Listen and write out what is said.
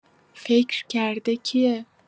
فکر کرده کیه؟